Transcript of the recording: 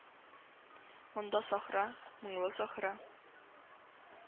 Монда сахра, моңлы сахра..